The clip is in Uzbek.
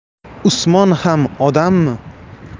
usmon ham odammi